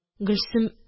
Гөлсем